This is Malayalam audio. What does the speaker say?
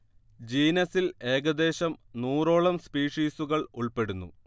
ജീനസിൽ ഏകദേശം നൂറോളം സ്പീഷിസുകൾ ഉൾപ്പെടുന്നു